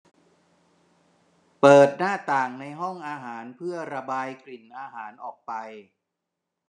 เปิดหน้าต่างในห้องอาหารเพื่อระบายกลิ่นอาหารออกไป